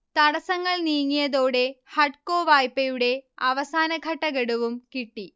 തടസ്സങ്ങൾ നീങ്ങിയതോടെ ഹഡ്കോ വായ്പയുടെ അവസാനഘട്ട ഗഡുവും കിട്ടി